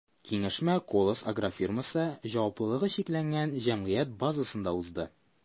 Киңәшмә “Колос” агрофирмасы” ҖЧҖ базасында узды.